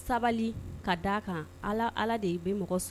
Sabali ka' kan ala de bɛ mɔgɔ